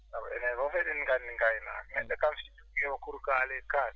sabu enen fof eɗen nganndi ngaynaaka neɗɗo kam so jogdima kurukale e kake